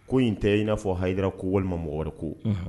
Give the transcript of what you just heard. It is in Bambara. Ko in tɛ i n' fɔ Hayidara ko walima mɔgɔ wɛrɛ ko, unhun